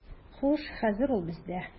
Хуш, хәзер ул бездә.